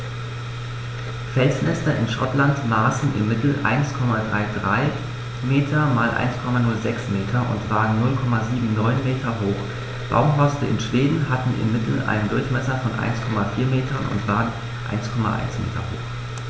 Felsnester in Schottland maßen im Mittel 1,33 m x 1,06 m und waren 0,79 m hoch, Baumhorste in Schweden hatten im Mittel einen Durchmesser von 1,4 m und waren 1,1 m hoch.